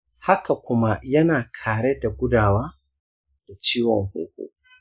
haka kuma yana kare daga gudawa da ciwon huhu.